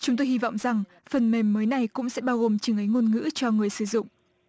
chúng tôi hy vọng rằng phần mềm mới này cũng sẽ bao gồm trừng ấy ngôn ngữ cho người sử dụng